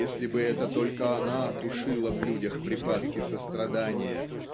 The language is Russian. если бы это только она тушила в людях припадки сострадания